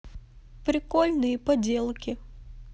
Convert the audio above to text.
прикольные поделки